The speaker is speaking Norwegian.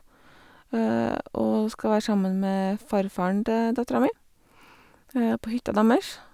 Og skal være sammen med farfaren til dattera mi på hytta deres.